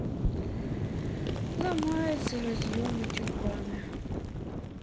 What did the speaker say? ломаются разъемы тюльпаны